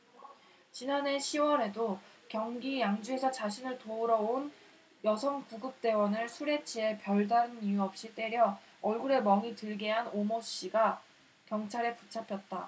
지난해 시 월에도 경기 양주에서 자신을 도우러 온 여성 구급대원을 술에 취해 별다른 이유 없이 때려 얼굴에 멍이 들게 한 오모씨가 경찰에 붙잡혔다